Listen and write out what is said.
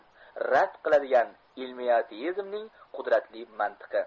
rad qiladigan ilmiy ateizmning qudratli mantiqi